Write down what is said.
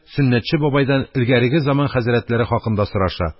Сөннәтче бабайдан элгәреге заман хәзрәтләре хакында сораша;